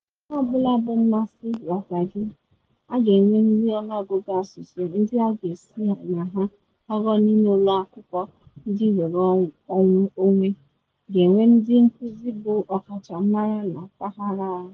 Ihe ọ bụla bụ mmasị nwata gị, a ga-enwerịrị ọnụọgụ asụsụ ndị a ga-esi na ha họrọ n’ime ụlọ akwụkwọ ndị nnwere onwe, ga-enwe ndị nkuzi bụ ọkachamara na mpaghara a.